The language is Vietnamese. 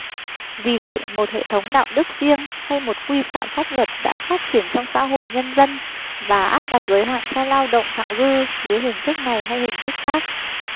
vì vậy một hệ thống đạo đức riêng hay một quy phạm pháp luật đã phát triển trong xã hội nhân dân và áp đặt giới hạn cho lao động thặng dư dưới hình thức này hay hình thức khác